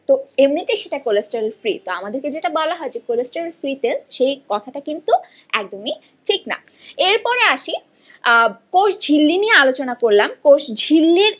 এমনিতে সেটা cholesterol free আমাদেরকে যেটা বলা হয় যে কোলেস্টরেল ফ্রী তেল সেই কথাটা কিন্তু একদমই ঠিক না এর পরে আসি কোষঝিল্লি নিয়ে আলোচনা করলাম কোষঝিল্লির